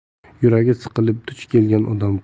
yuragi siqilib duch kelgan